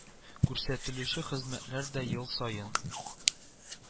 Күрсәтелүче хезмәтләр дә ел саен